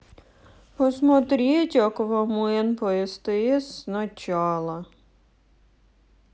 смотреть аквамен по стс с начала